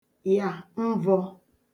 yà mvọ̄